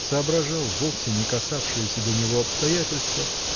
соображал вовсе не касавшиеся до него обстоятельства